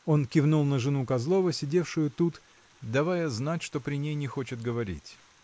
Он кивнул на жену Козлова, сидевшую тут, давая знать, что при ней не хочет говорить.